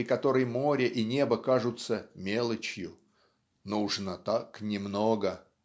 при которой море и небо кажутся мелочью ("нужно так немного")